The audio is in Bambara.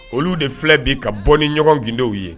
Olu de filɛ bi ka bɔ ni ɲɔgɔn gindow ye.